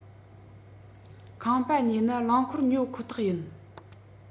ཁང པ ཉོས ན རླངས འཁོར ཉོ ཁོ ཐག ཡིན